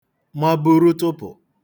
maburu tụpụ̀